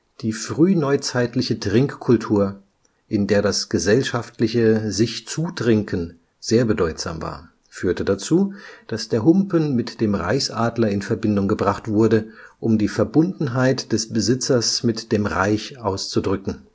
Die frühneuzeitliche Trinkkultur, in der das gesellschaftliche Sich-Zutrinken sehr bedeutsam war, führte dazu, dass der Humpen mit dem Reichsadler in Verbindung gebracht wurde, um die Verbundenheit des Besitzers mit dem Reich auszudrücken